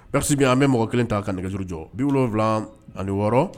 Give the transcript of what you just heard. Merci bien an bɛ mɔgɔ kelen ta ka nɛgɛjuru jɔ 76